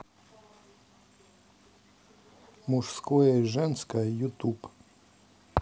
мужское и женское ютуб